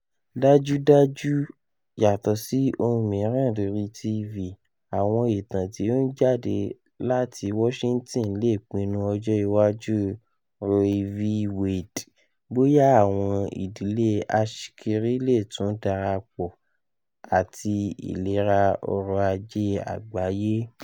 Dajudaju, yatọsi ohun miiran lori TV, awọn itan ti o n jade lati Washington le pinnu ọjọ iwaju ti Roe v. Wade, boya awọn idile aṣikiri le tun darapọ ati ilera ọrọ aje agbaye.